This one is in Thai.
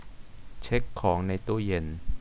เช็คของในตู้เย็น